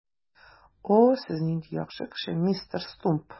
О, сез нинди яхшы кеше, мистер Стумп!